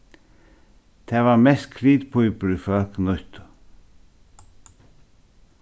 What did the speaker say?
tað var mest kritpípur ið fólk nýttu